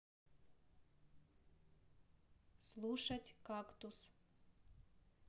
слушать кактус